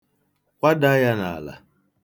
Kwada ya n'ala.